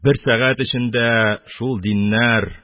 Бер сәгать эчендә шул диннәр,